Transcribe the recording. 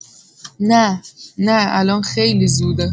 نه، نه الان خیلی زوده.